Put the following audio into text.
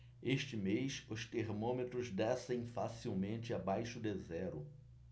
este mês os termômetros descem facilmente abaixo de zero